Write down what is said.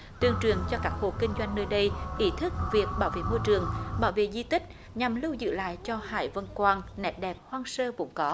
tuyên truyền cho các hộ kinh doanh nơi đây ý thức việc bảo vệ môi trường bảo vệ di tích nhằm lưu giữ lại cho hải vân quan nét đẹp hoang sơ vốn có